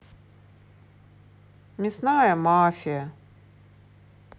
мясная мафия